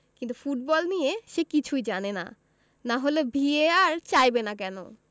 কিন্তু ফুটবল নিয়ে সে কিছুই জানে না না হলে ভিএআর চাইবে না কেন